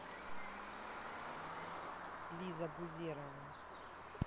лиза бузерова